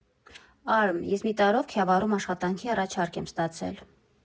֊ Արմ, ես մի տարով Քյավառում աշխատանքի առաջարկ եմ ստացել։